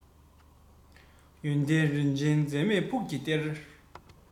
ཡོན ཏན རིན ཆེན འཛད མེད ཕུགས ཀྱི གཏེར